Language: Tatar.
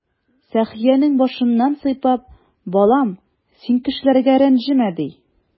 Сәхиянең башыннан сыйпап: "Балам, син кешеләргә рәнҗемә",— ди.